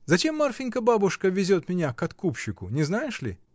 — Зачем, Марфинька, бабушка везет меня к откупщику — не знаешь ли?